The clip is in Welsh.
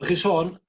'Dych chi'n sôn